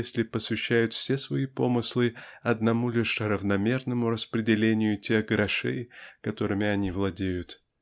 если посвящают все свои помыслы одному лишь равномерному распределению тех грошей которыми они владеют